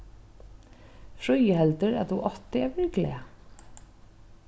fríði heldur at tú átti at verið glað